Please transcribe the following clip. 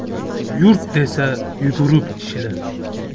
yurt desa yugurib ishla